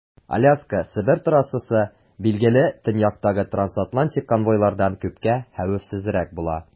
Аляска - Себер трассасы, билгеле, төньяктагы трансатлантик конвойлардан күпкә хәвефсезрәк була.